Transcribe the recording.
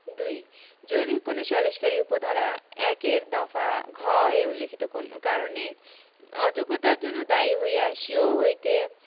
২ যদি কোন সালিসকারী উপ ধারা ১ এর দফা ঘ এ উল্লেখিত কারণে অযোগ্যতার জন্য দায়ী হইয়া স্বীয় হইতে